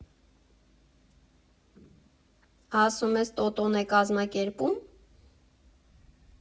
Ասում ես՝ Տոտոն է՞ կազմակերպում։